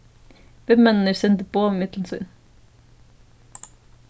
vinmenninir sendu boð millum sín